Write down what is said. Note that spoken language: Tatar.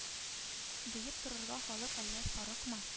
Диеп торырга халык әллә сарыкмы